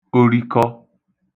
orikọ